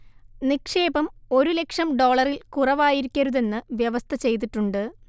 നിക്ഷേപം ഒരു ലക്ഷം ഡോളറിൽ കുറവായിരിക്കരുതെന്ന് വ്യവസ്ഥ ചെയ്തിട്ടുണ്ട്